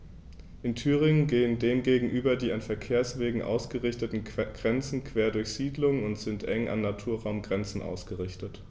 In Thüringen gehen dem gegenüber die an Verkehrswegen ausgerichteten Grenzen quer durch Siedlungen und sind eng an Naturraumgrenzen ausgerichtet.